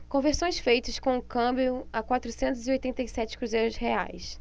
conversões feitas com câmbio a quatrocentos e oitenta e sete cruzeiros reais